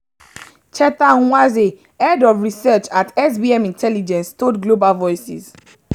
Cheta Nwanze, Head of Research at SBM Intelligence told Global Voices: